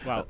waaw